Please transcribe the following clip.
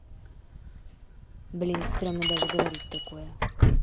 блин стремно даже говорить такое